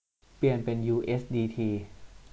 เปลี่ยนเป็นยูเอสดีที